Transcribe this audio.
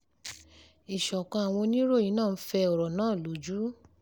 Ìsọ̀kan àwọn Oníròyìn náà fẹ ọ̀rọ̀ náà lójú: